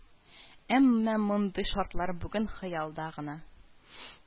Әмма мондый шартлар бүген хыялда гына